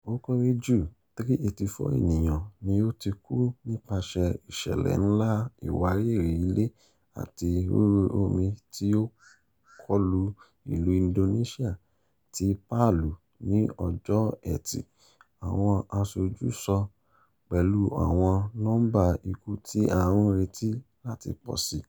Ó kéré jù 384 ènìyàn ni ó ti kú nípasẹ̀ ìṣẹ̀lẹ̀ ńlá ìwárìrì-ilẹ̀ àti rúrú omi tí o kọlu ìlú Indonesian ti Palu ní Ọjọ́ Ẹtì, àwọn aṣojú sọ, pẹ̀lú àwọn nọ́mbá ikú tí a ń retí láti pọ̀si.